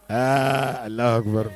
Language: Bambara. Aa Alahu akibaru